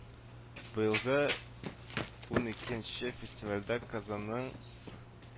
Быелгы уникенче фестивальдә Казанның Сэ